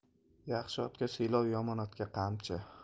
yaxshi otga siylov yomon otga qamchi